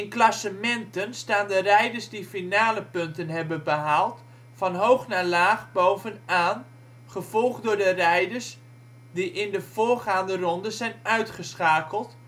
klassementen staan de rijders die finalepunten hebben behaald van hoog naar laag bovenaan, gevolgd door de rijders die in de voorgaande rondes zijn uitgeschakeld